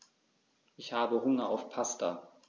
Ich habe Hunger auf Pasta.